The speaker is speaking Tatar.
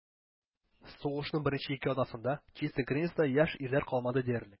Сугышның беренче ике атнасында Чистая Криницада яшь ирләр калмады диярлек.